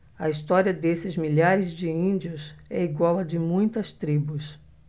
a história desses milhares de índios é igual à de muitas tribos